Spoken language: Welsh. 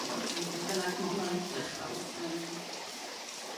'lly yrm be' bynnag ma' hwnna'n edrych fel yrm. .